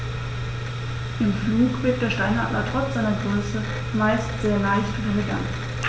Im Flug wirkt der Steinadler trotz seiner Größe meist sehr leicht und elegant.